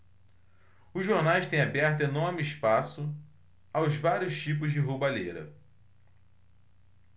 os jornais têm aberto enorme espaço aos vários tipos de roubalheira